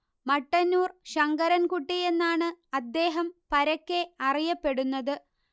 മട്ടന്നൂർ ശങ്കരൻ കുട്ടി എന്നാണ് അദ്ദേഹം പരക്കെ അറിയപ്പെടുന്നത്